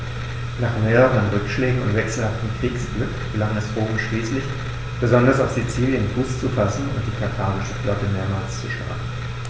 Nach mehreren Rückschlägen und wechselhaftem Kriegsglück gelang es Rom schließlich, besonders auf Sizilien Fuß zu fassen und die karthagische Flotte mehrmals zu schlagen.